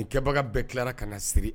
Nin kɛbaga bɛɛ tila ka na siri